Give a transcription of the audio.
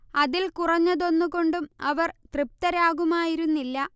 അതിൽ കുറഞ്ഞതോന്നുകൊണ്ടും അവർ തൃപ്തരാകുമായിരുന്നില്ല